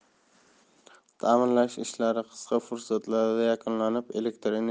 ta'mirlash ishlari qisqa fursatlarda yakunlanib elektr